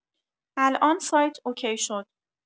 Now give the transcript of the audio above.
الان سایت اوکی شد.